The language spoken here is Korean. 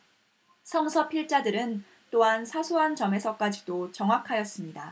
성서 필자들은 또한 사소한 점에서까지도 정확하였습니다